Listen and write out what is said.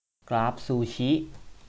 กราฟซูชิ